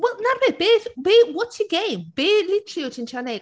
Wel, 'na'r peth, beth be... what’s your game? Be literally wyt ti’n treial wneud?